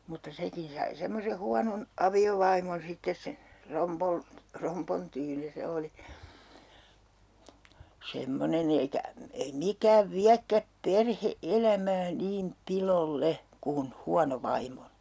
mutta sekin sai semmoisen huonon aviovaimon sitten se eikä ei mikään viekään perhe-elämää niin piloille kuin huono vaimo